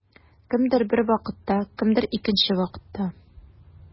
Кемдер бер вакытта, кемдер икенче вакытта.